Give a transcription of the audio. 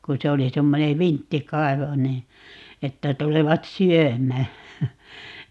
kun se oli semmoinen vinttikaivo niin että tulevat syömään